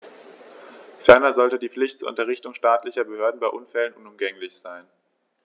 Ferner sollte die Pflicht zur Unterrichtung staatlicher Behörden bei Unfällen unumgänglich sein.